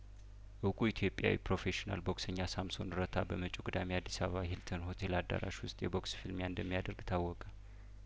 እውቁ ኢትዮጵያዊ ፕሮፌሽናል ቦክሰኛ ሳምሶን ረታ በመጪው ቅዳሜ አዲስ አበባ ሂልተን ሆቴል አዳራሽ ውስጥ የቦክስ ፍልሚያ እንደሚያደርግ ታወቀ